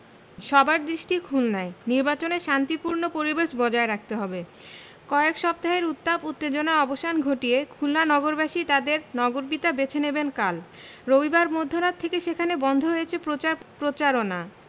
সবার দৃষ্টি খুলনায় নির্বাচনে শান্তিপূর্ণ পরিবেশ বজায় রাখতে হবে কয়েক সপ্তাহের উত্তাপ উত্তেজনার অবসান ঘটিয়ে খুলনা নগরবাসী তাঁদের নগরপিতা বেছে নেবেন কাল রবিবার মধ্যরাত থেকে সেখানে বন্ধ হয়েছে প্রচার প্রচারণা